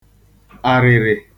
àrị̀rị̀